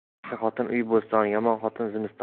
yaxshi xotin uy bo'stoni yomon xotin zimistoni